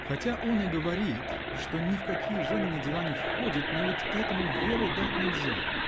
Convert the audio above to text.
Хотя он и говорит, что ни в какие женины дела не входит, но ведь этому веры дать нельзя!